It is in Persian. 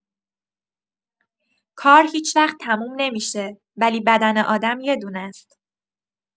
کار هیچ‌وقت تموم نمی‌شه، ولی بدن آدم یه دونه‌ست.